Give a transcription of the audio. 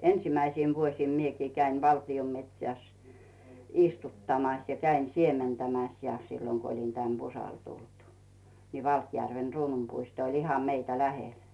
ensimmäisinä vuosina minäkin kävin valtion metsässä istuttamassa ja kävin siementämässä ja silloin kun olin tänne Pusalle tullut niin Valkjärven Kruununpuisto oli ihan meitä lähellä